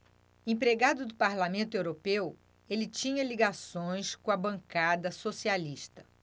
empregado do parlamento europeu ele tinha ligações com a bancada socialista